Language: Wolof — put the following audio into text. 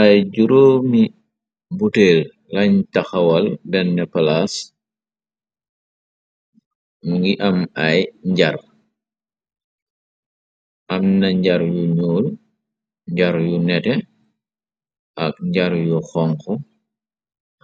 Ay juróomi buteel lañ taxawal benn palaas, mu ngi am ay njar, am na njar yu ñuul, njar yu nete, ak njar yu xonxu,